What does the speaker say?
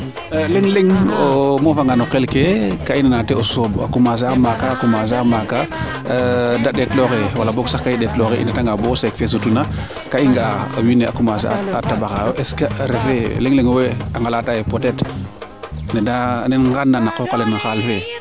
leŋ leŋ o mofa nga no qel ke kaa i nana te o sooɓ a commencer a maaka a commencer a maaka de ndeet looxe wala boog sax ka i ndeet looxe o reta nga bo seek fe sutu na ga i nga'a wiin we a commencer a tabaxaayo refe leŋ leŋ a ngalata ye peut etre ne da ne ngarna na qooqale no xaal fe